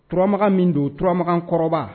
Turama min don turamagan kɔrɔba